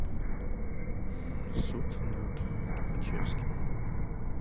суд над тухачевским